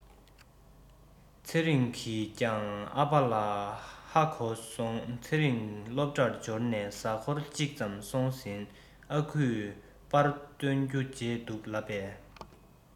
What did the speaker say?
ཚེ རིང གིས ཀྱང ཨ ཕ ལ ཧ གོ སོང ཚེ རིང སློབ གྲྭར འབྱོར ནས གཟའ འཁོར གཅིག ཙམ སོང ཟིན ཨ ཁུས པར བཏོན རྒྱུ བརྗེད འདུག ལབ པས